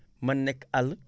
mën na nekk àll